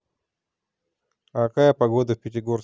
а какая погода в пятигорске